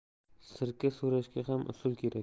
sirka so'rashga ham usul kerak